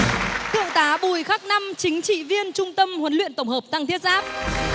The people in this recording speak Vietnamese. thượng tá bùi khắc năm chính trị viên trung tâm huấn luyện tổng hợp tăng thiết giáp